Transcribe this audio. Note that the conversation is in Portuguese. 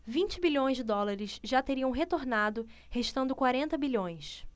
vinte bilhões de dólares já teriam retornado restando quarenta bilhões